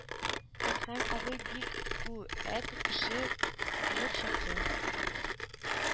Әдһәм абый бик ү әт кеше булып чыкты